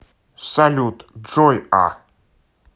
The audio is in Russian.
салют джой а